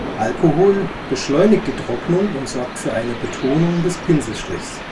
Alkohol beschleunigt die Trocknung und sorgt für eine Betonung des Pinselstrichs